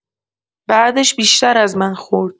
بعدش بیشتر از من خورد!